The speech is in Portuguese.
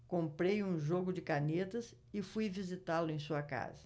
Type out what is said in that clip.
comprei um jogo de canetas e fui visitá-lo em sua casa